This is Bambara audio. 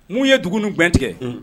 N'u ye dugubɛn tigɛ